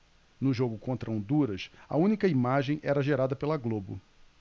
no jogo contra honduras a única imagem era gerada pela globo